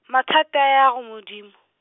mathata a ya go Modimo.